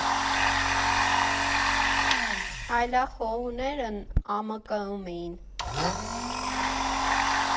Այլախոհներն ԱՄԿ֊ում էին։